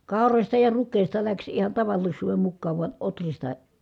kaurasta ja rukiista lähti ihan tavallisuuden mukaan vain ohrista